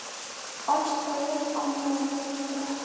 och tovuq omborga yugurar